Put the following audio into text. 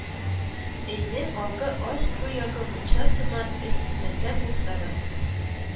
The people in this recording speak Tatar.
Өйнең алгы, аш-су ягы мунча сыман эсселәгән булса да,